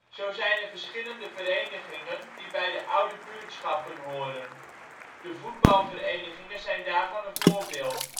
Zo zijn er verschillende verenigingen die bij de oude buurtschappen horen. De voetbalverenigingen zijn daarvan een voorbeeld